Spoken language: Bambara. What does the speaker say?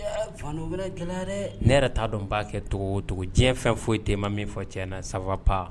Fa wɛrɛ dɛ ne yɛrɛ t'a dɔn b'a kɛcogo diɲɛfɛn foyi te ma min fɔ cɛɲɛna saba pa